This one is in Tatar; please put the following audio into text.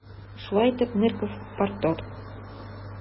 Шулай итеп, Нырков - парторг.